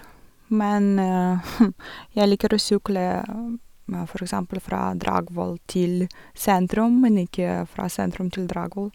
Men jeg liker å sykle, ja, for eksempel fra Dragvoll til sentrum, men ikke fra sentrum til Dragvoll.